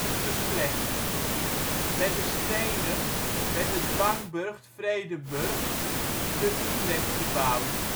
geslecht. Met de stenen werd de dwangburcht Vredenburg te Utrecht gebouwd